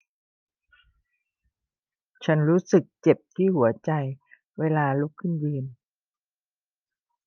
ฉันรู้สึกเจ็บที่หัวใจเวลาลุกขึ้นยืน